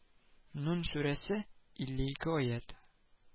Нун сүрәсе илле ике аять